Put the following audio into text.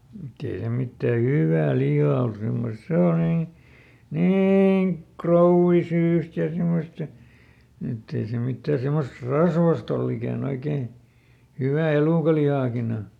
mutta ei se mitään hyvää lihaa ollut semmoista se on niin niin krouvisyistä ja semmoista niin että ei se mitään semmoista rasvaista ollut ikänä oikein kuin hyvä elukanlihakin on